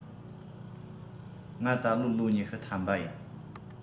ང ད ལོ ལོ ཉི ཤུ ཐམ པ ཡིན